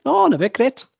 O 'na fe grêt